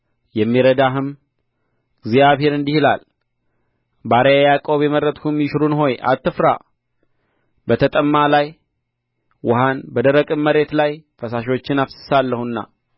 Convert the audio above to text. የሚረዳህም እግዚአብሔር እንዲህ ይላል ባሪያዬ ያዕቆብ የመረጥሁህም ይሹሩን ሆይ አትፍራ በተጠማ ላይ ውኃን በደረቅም መሬት ላይ ፈሳሾችን አፈስሳለሁና